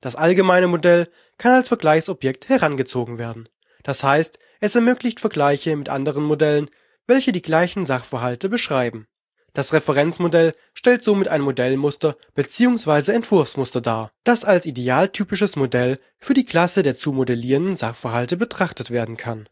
Das allgemeine Modell kann als Vergleichsobjekt herangezogen werden. Das heißt, es ermöglicht Vergleiche mit anderen Modellen, die die gleichen Sachverhalte beschreiben. Das Referenzmodell stellt somit ein Modellmuster bzw. Entwurfsmuster dar, das als idealtypisches Modell für die Klasse der zu modellierenden Sachverhalte betrachtet werden kann